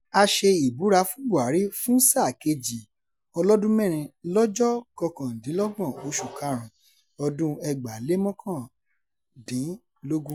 A ṣe ìbúra fún Buhari fún sáà kejì ọlọ́dún mẹ́rin lọ́jọ́ 29, oṣù karùn-ún, 2019.